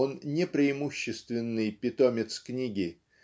он не преимущественный питомец книги